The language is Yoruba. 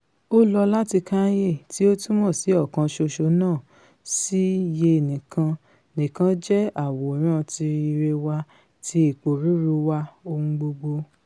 Ó lọ láti Kanye, tí ó túmọ̀ sí ọ̀kan ṣoṣo náà, sí Ye nìkan - nìkan jẹ́ àwòrán ti ire wa, ti ìpòrúùru wa, ohun gbogbo.